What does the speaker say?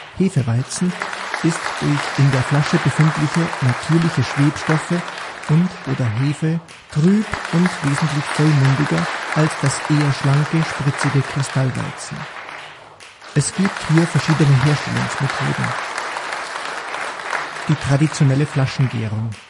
Hefeweizen ist durch in der Flasche befindliche natürliche Schwebstoffe und/oder Hefe trüb und wesentlich vollmundiger als das eher schlanke, spritzige Kristallweizen. Es gibt hier verschiedene Herstellungsmethoden: Die traditionelle Flaschengärung